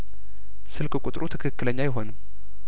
ስልክ ቁጥሩ ትክክለኛ አይሆንም